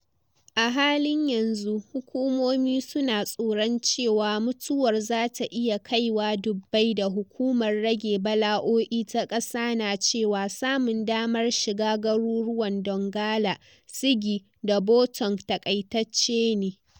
A halin yanzu, hukumomi su na tsoron cewa mutuwar za ta iya kaiwa dubbai da hukumar rage bala’o’i ta kasar na cewa samun damar shiga garuruwan Donggala, Sigi da Boutong takaitacce ne.